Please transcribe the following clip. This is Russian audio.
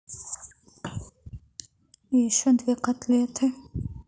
еще две котлеты